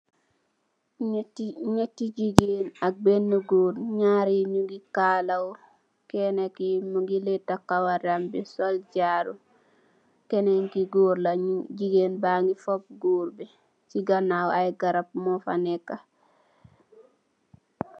Nyeti jigene ak bena goor, nyari nyu ngi kala wu, kena mungi leta karawam bi sol jaro. Kenen ki goor la jigene ba ngi fop goor bi. Si ganaww ay garap mofa neka